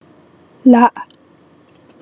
ལགས